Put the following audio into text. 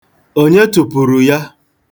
Onye tụpuru ya?